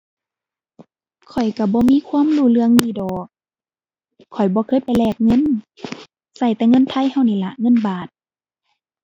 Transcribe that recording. ข้อยก็บ่มีความรู้เรื่องนี้ดอก ข้อยบ่เคยไปแลกเงิน ก็แต่เงินไทยก็นี่ล่ะ เงินบาท